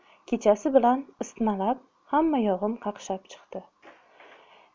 kechasi bilan isitmalab hammayog'im qaqshab chiqdi